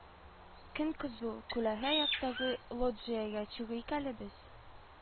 – көн кызу, күләгә яктагы лоджиягә чыгыйк әле без